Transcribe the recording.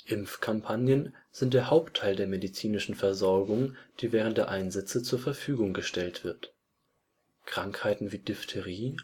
Impfkampagnen sind der Hauptbestandteil der medizinischen Versorgung, die während der Einsätze zur Verfügung gestellt wird. Krankheiten wie Diphtherie